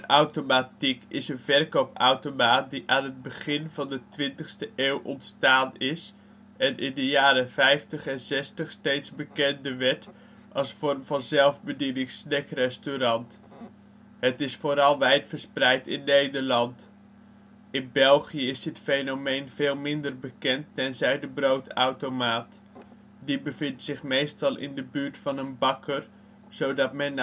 automatiek is een verkoopautomaat die aan het begin van de 20e eeuw ontstaan is en in de jaren ' 50 en ' 60 steeds bekender werd als vorm van zelfbedienings-snackrestaurant. Het is vooral wijdverspreid in Nederland. In België is dit fenomeen veel minder bekend, tenzij de broodautomaat. Die bevindt zich meestal in de buurt van een bakker, zodat men